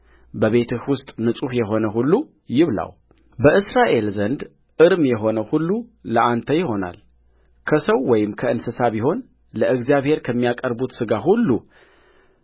በቤትህ ውስጥ ንጹሕ የሆነ ሁሉ ይብላውበእስራኤል ዘንድ እርም የሆነው ሁሉ ለአንተ ይሆናልከሰው ወይም ከእንስሳ ቢሆን ለእግዚአብሔር ከሚያቀርቡት ሥጋ ሁሉ